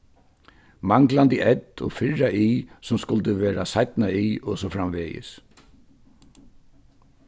manglandi ð og fyrra i sum skuldi vera y og so framvegis